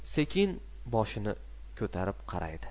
u sekin boshini ko'tarib qaraydi